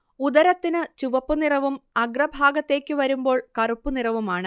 ഉദരത്തിനു ചുവപ്പ് നിറവും അഗ്രഭാഗത്തേക്ക് വരുമ്പോൾ കറുപ്പു നിറവുമാണ്